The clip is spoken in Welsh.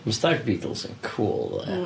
Mae Stag Beetles yn cŵl ddo, ia.